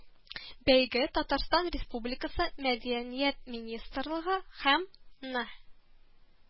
Бәйге Татарстан Республикасы Мәядәният министрлыгы һәм Ны